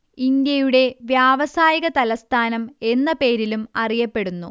ഇന്ത്യയുടെ വ്യാവസായിക തലസ്ഥാനം എന്ന പേരിലും അറിയപ്പെടുന്നു